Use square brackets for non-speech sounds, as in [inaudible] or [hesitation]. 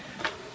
[hesitation]